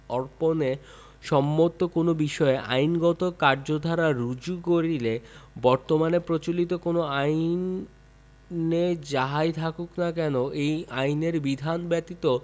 অর্পণে সম্মত কোন বিষয়ে আইনগত কার্যধারা রুজু করিলে বর্তমানে প্রচলিত অন্য কোন আইনে যাহাই থাকুক না কেন এই আইনের বিধান ব্যতীত